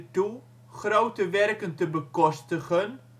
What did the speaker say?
toe grote werken te bekostigen